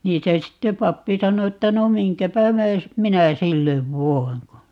niin se sitten pappi sanoi että no minkäpä myös minä sille voin kun